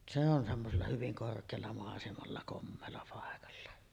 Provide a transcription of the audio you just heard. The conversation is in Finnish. se on semmoisella hyvin korkealla maisemalla komealla paikalla